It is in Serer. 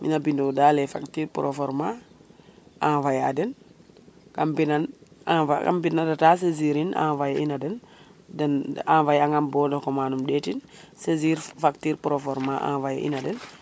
mina bindo da les facture proforma envoyer a den kam binan envoyer reta saisir envoyer ina den den de envoyer angam bon de commande im ndetin saisir facture proforma envoyer ina den